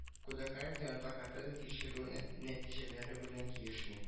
Кудакаевның адвокаты да тикшерү нәтиҗәләре белән килешми